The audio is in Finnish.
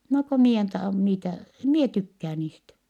no kun minä en tahdo niitä en minä tykkää niistä